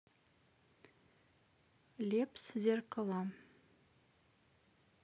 лепс зеркала